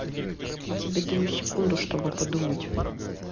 я тебе даю секунду чтобы подумать